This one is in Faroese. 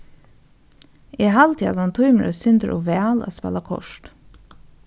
eg haldi at hann tímir eitt sindur ov væl at spæla kort